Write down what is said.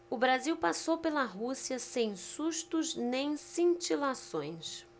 o brasil passou pela rússia sem sustos nem cintilações